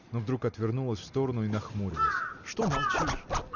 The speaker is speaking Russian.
но вдруг отвернулась в сторону и нахмурилась. – Что молчишь?